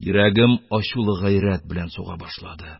Йөрәгем ачулы гайрәт белән суга башлады.